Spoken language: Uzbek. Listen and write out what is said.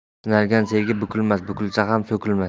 sinalgan sevgi bukilmas bukilsa ham so'kilmas